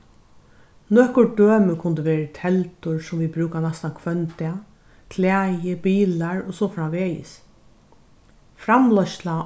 nøkur dømi kundu verið teldur sum vit brúka næstan hvønn dag klæði bilar og so framvegis framleiðsla